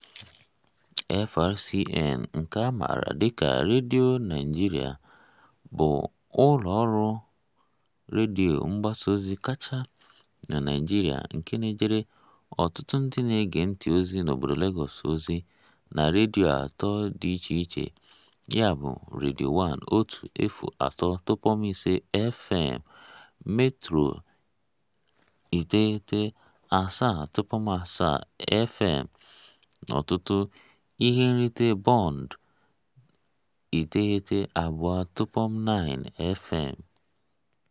FRCN — nke a maara dịka Radio Nigeria — bụ ụlọ ọrụ redio mgbasa ozi kachasị na Naịjirịa, nke na-ejere ọtụtụ ndị na-ege ntị ozi na obodo Lagos ozi na redio atọ dị iche iche, ya bụ: Radio One 103.5 FM, Metro 97.7 FM na ọtụtụ ihe nrite Bond 92.9 FM.